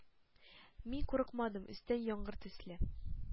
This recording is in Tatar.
Мин курыкмадым өстән яңгыр төсле